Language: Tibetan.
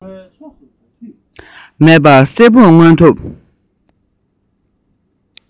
མེད པར གསལ པོར མངོན ཐུབ